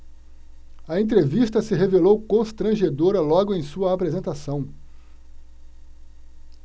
a entrevista se revelou constrangedora logo em sua apresentação